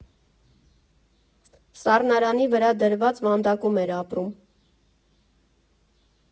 Սառնարանի վրա դրված վանդակում էր ապրում։